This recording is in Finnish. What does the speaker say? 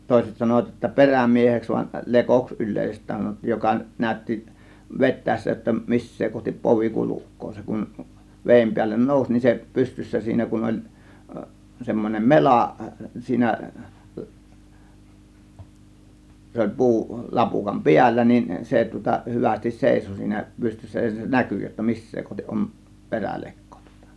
toiset sanoivat jotta perämieheksi vaan lekoksi yleisesti sanottiin joka näytti vetäessä jotta missä kohti povi kulkee se kun veden päälle nousi niin se pystyssä siinä kun oli semmoinen mela siinä se oli puu lapukan päällä niin se tuota hyvästi seisoi siinä pystyssä ja se näkyi jotta missä kohti on perälekko tuota